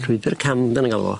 Llwybyr cam 'dan ni'n galw fo.